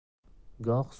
goh suruv suruv